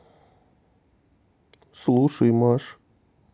слушай маш